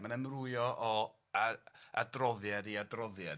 Ma'n amrywio o a- adroddiad i adroddiad.